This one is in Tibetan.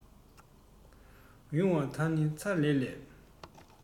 ཡུང བ དང ནི ཚ ལེ ལས